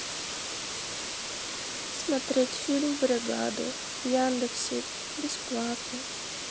смотреть фильм бригаду в яндексе бесплатно